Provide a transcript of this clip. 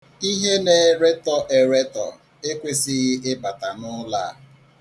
Ihe na-eretọ eretọ ekwesighị ịbata n'ụlọ a.